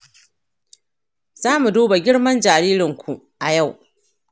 za mu duba girman jinjirinku a yau